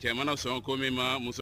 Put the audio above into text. Cɛmana sɔn ko min ma muso